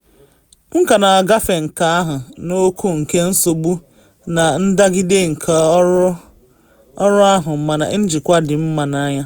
M ka na agafe nke ahụ n’okwu nke nsogbu na ndagide nke ọrụ ahụ mana njikwa dị mma n’anya.